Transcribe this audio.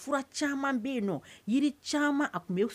Fura caaman be yennɔ yiri caaman a kun be